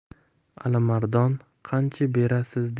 alimardon qancha berasiz